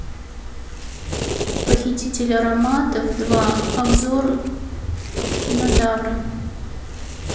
похититель ароматов два обзор кинотавра